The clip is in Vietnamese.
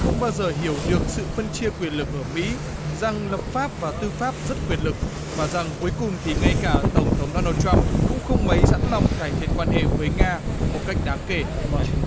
không bao giờ hiểu được sự phân chia quyền lực ở mỹ răng lập pháp và tư pháp rất quyền lực và rằng cuối cùng thì ngay cả tổng thống đô nan trâm cũng không mấy sẵn lòng cải thiện quan hệ với nga một cách đáng kể